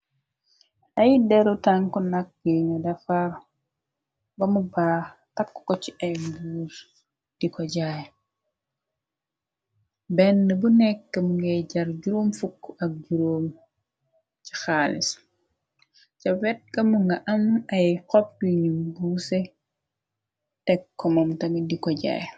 Ay deru tank nakk yunu defar bamu ba takk ko ci ay mbuur di ko jaay benn bu nekk mu ngay jar juróom fukk ak juróom ci xaalis ca wet kamu nga am ay xop yunu buuse tek komom tami di ko jaay.